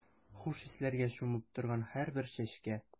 Хуш исләргә чумып торган һәрбер чәчкә.